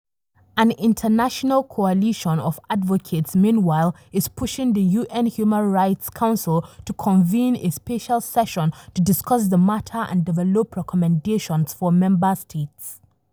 An international coalition of advocates meanwhile is pushing the UN Human Rights Council to convene a special session to discuss the matter and develop recommendations for member states.